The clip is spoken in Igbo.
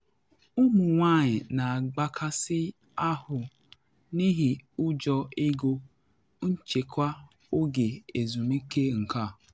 Ụmụ nwanyị na agbakasị ahụ n’ihi ụjọ ego nchekwa oge ezumike nka